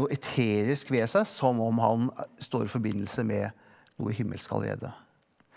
noe eterisk ved seg som om han står i forbindelse med noe himmelsk allerede.